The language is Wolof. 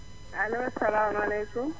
allo salaamualeykum